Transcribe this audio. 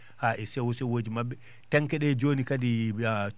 haa e sewo sewooji maɓɓe tenke ɗe jooni kadi